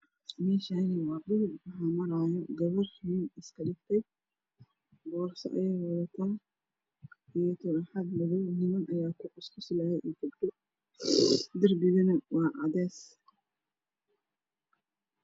Meshaani waa dhul waxaa maraya gabar wiil iska dhigtay borso ayeey wadataa iyo tarxag madoow niman ayaa ku qos qoslayo iyo gabdho derbigana waa cadees